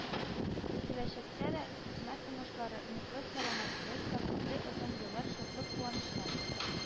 Киләчәктә дә хезмәт уңышлары, ныклы сәламәтлек, бәхетле озын гомер, шатлык-куанычлар